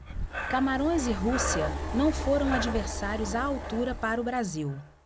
camarões e rússia não foram adversários à altura para o brasil